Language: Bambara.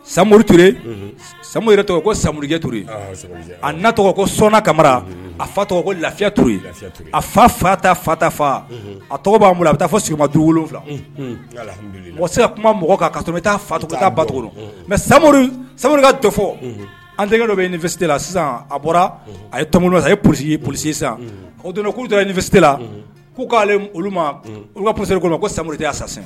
Samuru tuure sa yɛrɛ tɔgɔ ko samuruurujɛtoure a nat ko sɔnna kamara a fa tɔgɔ lafiya tuur a fa fata fata fa a tɔgɔ b'a bolo a bɛ taa fɔ sigima du wolon wolonwula o sera ka kuma mɔgɔ kan bɛ taa fatu bat mɛ sa sarika tɔ fɔ an tɛgɛ dɔ bɛ nin fi la sisan a bɔra a yem sa a psi psi sisan o donsila' k'ale olu olubase kɔnɔ ko samururi tɛ sa